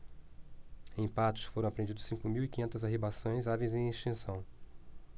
em patos foram apreendidas cinco mil e quinhentas arribaçãs aves em extinção